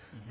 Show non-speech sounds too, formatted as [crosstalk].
[hesitation] [hesitation]